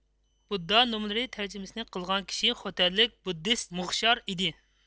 بۇددا نوملىرى تەرجىمىسىنى قىلغان كىشى خوتەنلىك بۇددىست موغشار ئىدى